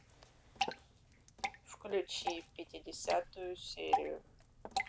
включи пятидесятую серию